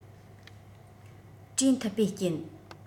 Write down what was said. དྲས མཐུད བའི རྐྱེན